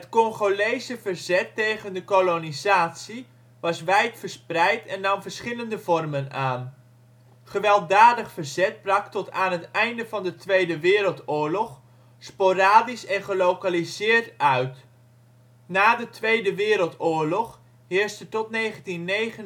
Congolese verzet tegen de kolonisatie was wijd verspreid en nam verschillende vormen aan. Gewelddadig verzet brak tot aan het einde van de Tweede Wereldoorlog sporadisch en gelocaliseerd uit (Pende-opstand 1931, muiterij in Luluaburg 1944). Na de Tweede Wereldoorlog heerste tot 1959